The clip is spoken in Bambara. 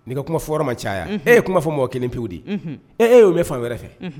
N'i kuma fɔ fɔra ma caya e ye kuma fɔ mɔgɔ kelen pewudi e e ye o bɛ fan wɛrɛ fɛ